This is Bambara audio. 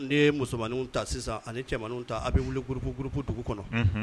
N'i ye musomaninw ta sisan ani cɛmaninw ta a bɛ wuli groupe groupe dugu kɔnɔ